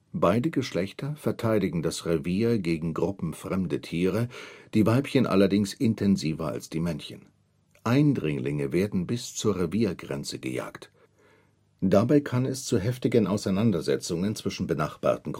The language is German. Beide Geschlechter verteidigen das Revier gegen gruppenfremde Tiere, die Weibchen allerdings intensiver als die Männchen. Eindringlinge werden bis zur Reviergrenze gejagt. Dabei kann es zu heftigen Auseinandersetzungen zwischen benachbarten